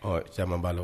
Ɔ caman'a